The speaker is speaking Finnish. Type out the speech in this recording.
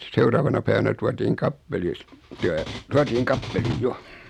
seuraavana päivänä tuotiin kappelissa tämä tuotiin kappeliin jo